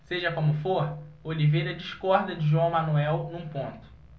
seja como for oliveira discorda de joão manuel num ponto